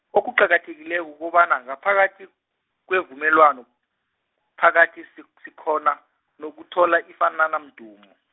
okuqakathekileko kukobana ngaphakathi, kwevumelwano, phakathi si- sikghona, nokuthola ifanana mdumo.